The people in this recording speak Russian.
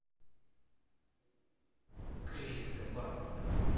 критика бабника